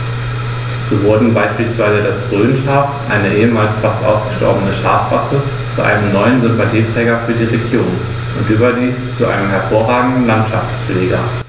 So wurde beispielsweise das Rhönschaf, eine ehemals fast ausgestorbene Schafrasse, zu einem neuen Sympathieträger für die Region – und überdies zu einem hervorragenden Landschaftspfleger.